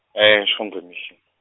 eShongwe Mission.